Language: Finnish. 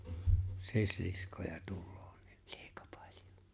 sisiliskoja tulee niin liian paljon